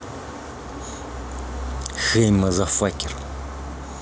хай мазафакер